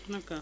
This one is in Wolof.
d' accord